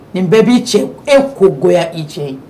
Nin bɛɛ b'i cɛ e kogo i tiɲɛ ye